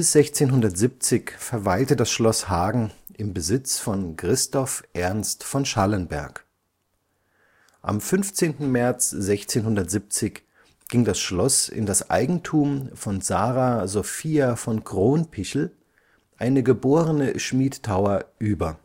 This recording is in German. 1670 verweilte das Schloss Hagen im Besitz von Christoph Ernst von Schallenberg. Am 15. März 1670 ging das Schloss in das Eigentum von Sara Sophia von Cronpichl, eine geborene Schmidtauer, über